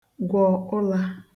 gwọ̀ ụlā